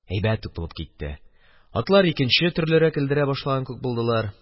Әйбәт үк булып китте, – атлар икенче төрлерәк элдерә башлаган күк булдылар.